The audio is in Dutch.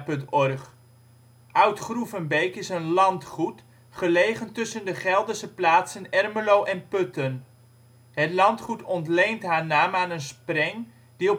OL Oud Groevenbeek Plaats in Nederland Situering Provincie Gelderland Gemeente Ermelo Coördinaten 52° 17′ NB, 5° 37′ OL Portaal Nederland Beluister (info) Oud Groevenbeek is een landgoed, gelegen tussen de Gelderse plaatsen Ermelo en Putten. Het landgoed ontleent haar naam aan een spreng, die